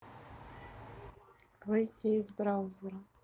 выйти из браузера